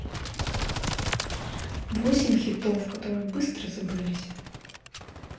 восемь хитов которые быстро забылись